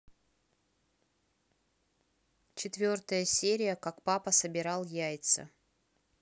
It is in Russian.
четвертая серия как папа собирал яйца